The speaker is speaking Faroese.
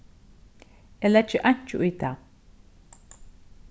eg leggi einki í tað